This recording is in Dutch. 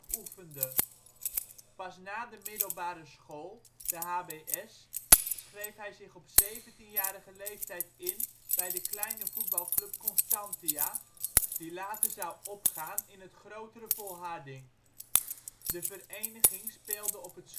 oefende. Pas na de middelbare school (HBS) schreef hij zich op 17-jarige leeftijd in bij de kleine voetbalclub Constantia, die later zou opgaan in het grotere Volharding. De vereniging speelde op het